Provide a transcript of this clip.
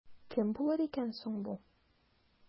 Кем булыр икән соң бу?